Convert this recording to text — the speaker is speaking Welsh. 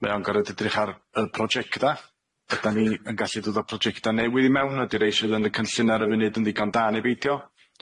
Mae o'n gorod edrych ar y prosiecta ydan ni yn gallu ddod o prosiecta newydd i mewn, ydi rei sydd yn y cynllun ar y funud yn ddigon da neu beidio.